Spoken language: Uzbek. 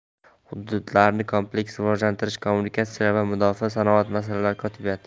hududlarni kompleks rivojlantirish kommunikatsiyalar va mudofaa sanoati masalalari kotibiyati